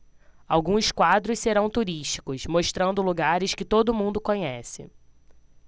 alguns quadros serão turísticos mostrando lugares que todo mundo conhece